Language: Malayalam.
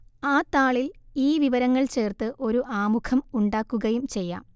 ആ താളിൽ ഈ വിവരങ്ങൾ ചേർത്ത് ഒരു ആമുഖം ഉണ്ടാക്കുകയും ചെയ്യാം